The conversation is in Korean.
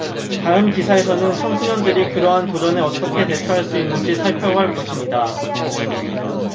다음 기사에서는 청소년들이 그러한 도전에 어떻게 대처할 수 있는지 살펴볼 것입니다